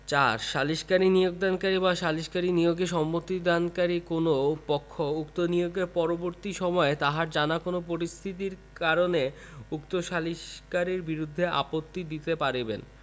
৪ সালিসকারী নিয়োগদানকারী বা সালিসকারী নিয়োগে সম্মতিদানকারী কোন পক্ষ উক্ত নিয়োগের পরবর্তি সময়ে তাহার জানা কোন পরিস্থিতির কারণে উক্ত সালিসকারীর বিরুদ্ধে আপত্তি দিতে পারিবেন